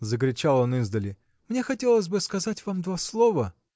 – закричал он издали, – мне хотелось бы сказать вам два слова.